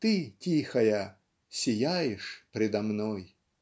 Ты, тихая, сияешь предо мной.